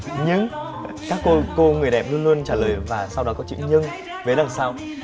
nhưng các cô người đẹp luôn luôn trả lời và sau đó có chữ nhưng vế đằng sau